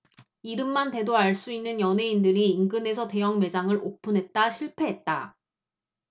이름만 대도 알 수 있는 연예인들이 인근에서 대형 매장을 오픈했다 실패했다